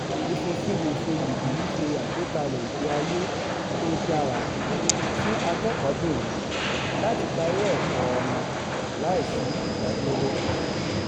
Ìfòfinde ìsoyìgì yìí ṣe àgbékalẹ̀ ìgbé ayé tó dára fún akẹ́kọ̀ọ́bìnrin láti parí ẹ̀kọ́ọ wọn láì sí ìdádúró.